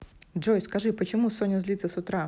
джой скажи почему соня злится с утра